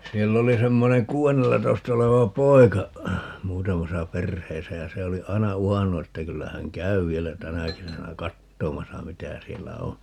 siellä oli semmoinen kuudennellatoista oleva poika muutamassa perheessä ja se oli aina uhannut että kyllä hän käy vielä tänä kesänä katsomassa mitä siellä on